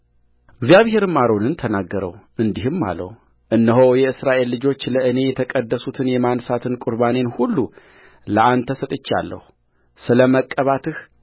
እግዚአብሔርም አሮንን ተናገረው እንዲህም አለው እነሆ የእስራኤል ልጆች ለእኔ የቀደሱትን የማንሣት ቍርባኔን ሁሉ ለአንተ ሰጥቼሃለሁ ስለ መቀባትህ